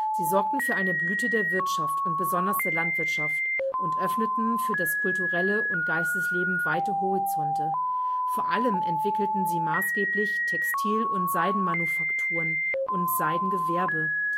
Sie sorgten für eine Blüte der Wirtschaft und besonders der Landwirtschaft und öffneten für das kulturelle und Geistesleben weite Horizonte. Vor allem entwickelten sie maßgeblich Textil - und Seidenmanufakturen und - gewerbe